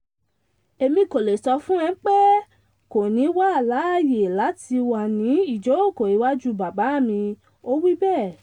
"Èmi kò le sọ fún pé ‘ẹ kò ní wà láyé láti wà ní ìjókòó ìwájú bábá mi’,” ó wí bẹ̀ẹ̀.